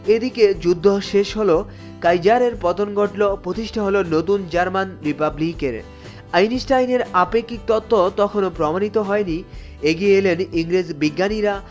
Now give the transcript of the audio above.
এদিকে যুদ্ধ শেষ হলো কাইজারের পতন ঘটল প্রতিষ্ঠা হল নতুন জার্মান রিপাবলিকের আইনস্টাইনের আপেক্ষিক তত্ত্ব তখনও প্রমাণিত হয়নি এগিয়ে এলেন ইংরেজ বিজ্ঞানীরা